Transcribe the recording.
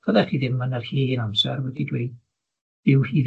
Fyddech chi ddim yn yr hen amser wedi dweud dyw hi